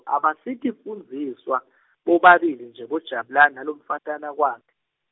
Abasitifundziswa , bobabili nje boJabulane nalomfatana kwakhe.